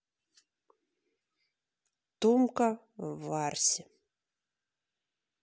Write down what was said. тумка в варсе